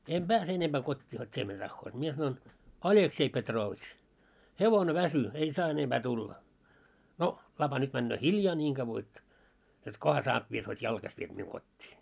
en pääse enempää kotiin hot te mitä tahdot minä sanoin Aleksei Petrovitš hevonen väsyi en saa enempää tulla no lapa nyt menee hiljaa niin kauan että jotta kunhan saat vietyä hot jalkaisin viet minun kotiin